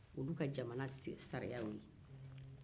olu ka jamana sariya y'o ye